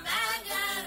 Saba